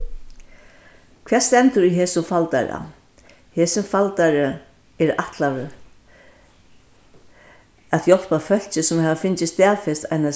hvat stendur í hesum faldara hesin faldari er ætlaður at hjálpa fólki sum hava fingið staðfest eina